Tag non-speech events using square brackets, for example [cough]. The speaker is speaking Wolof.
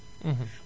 [hesitation] [hesitation]